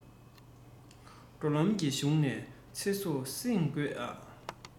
འགྲོ ལམ གྱི གཞུང ནས ཚེ སྲོག བསྲིངས དགོས ཡ